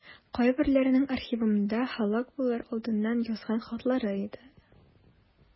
Кайберләренең архивымда һәлак булыр алдыннан язган хатлары ята.